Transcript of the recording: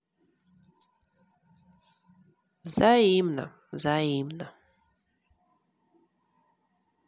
взаимно взаимно